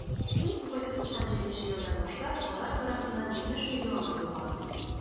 1997 елдан башлап алар тарафыннан 70 млн тотылган.